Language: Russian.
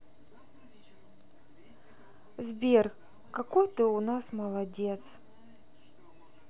сбер какой ты у нас молодец